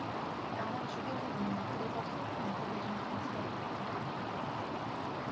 나만 죽이는 구나 그래서 처음엔 외국에 좀 가있으려고 했다